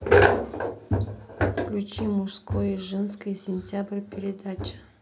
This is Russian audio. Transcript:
включи мужское женское сентябрь передача